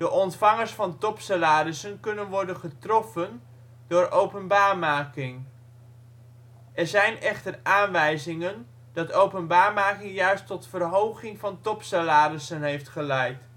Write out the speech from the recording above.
ontvangers van topsalarissen kunnen worden getroffen door openbaarmaking. Er zijn echter aanwijzingen dat openbaarmaking juist tot verhoging van topsalarissen heeft geleid